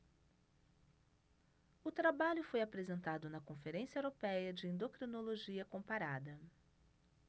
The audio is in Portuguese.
o trabalho foi apresentado na conferência européia de endocrinologia comparada